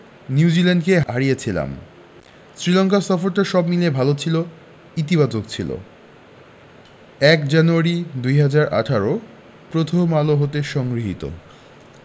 নিউজিল্যান্ডকে হারিয়েছিলাম শ্রীলঙ্কা সফরটা সব মিলিয়ে ভালো ছিল ইতিবাচক ছিল ০১ জানুয়ারি ২০১৮ প্রথম আলো হতে সংগৃহীত